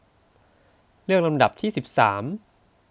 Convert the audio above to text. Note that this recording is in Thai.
เลือกลำดับที่สิบสาม